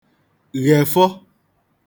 ghèfọ